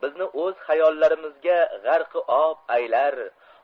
bizni o'z hayollarimizga g'arki ob aylar